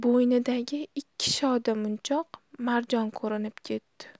bo'ynidagi ikki shoda munchoq marjon ko'rinib ketdi